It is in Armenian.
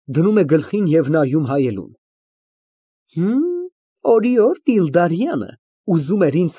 ՌՈԶԱԼԻԱ ֊ (Առանց նրան նայելու) Դու դեռ այստե՞ղ ես։